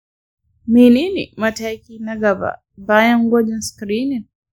mene ne mataki na gaba bayan gwajin screening?